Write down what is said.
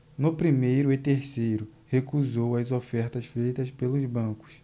no primeiro e terceiro recusou as ofertas feitas pelos bancos